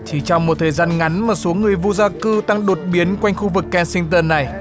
chỉ trong một thời gian ngắn mà số người vô gia cư tăng đột biến quanh khu vực ke sinh tơn này